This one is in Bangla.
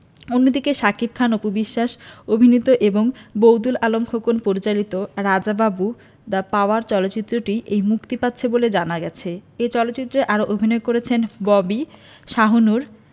অন্যদিকে শাকিব খান অপু বিশ্বাস অভিনীত এবং বদিউল আলম খোকন পরিচালিত রাজা বাবু দ্যা পাওয়ার চলচ্চিত্রটিও এই মুক্তি পাচ্ছে বলে জানা গেছে এ চলচ্চিত্রে আরও অভিনয় করেছেন ববি শাহনূর